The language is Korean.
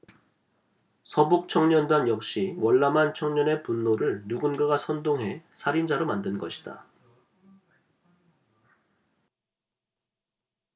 서북청년단 역시 월남한 청년의 분노를 누군가 선동해 살인자로 만든 것이다